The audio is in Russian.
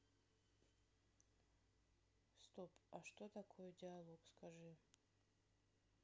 стоп а что такое диалог скажи